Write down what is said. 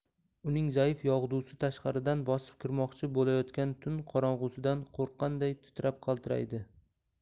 uning zaif yog'dusi tashqaridan bosib kirmoqchi bo'layotgan tun qorong'isidan qo'rqqanday titrab qaltiraydi